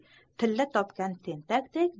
tilla topgan tentakday